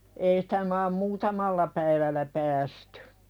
ei sitä - muutamalla päivällä päästy